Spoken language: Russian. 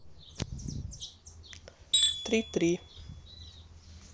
три три